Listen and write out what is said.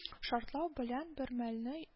Шартлау белән бермәлне